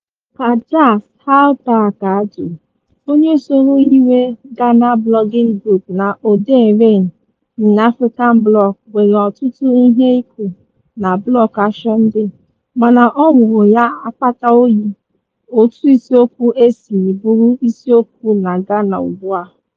Kajsa Hallberg Adu, onye soro hiwe Ghana Blogging Group na odee Rain In Africa blog, nwere ọtụtụ ihe ikwu na Blog Action Day, mana ọ wụrụ ya akpata oyi “otú isiokwu a esighị bụrụ isiokwu na Ghana ugbua”.